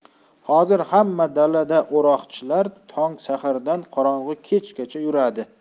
hozir ham dalada o'roqchilar tong sahardan qorong'i kechgacha yuradi